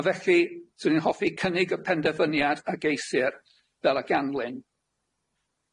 A felly, swn i'n hoffi cynnig y penderfyniad a geisir fel y ganlyn.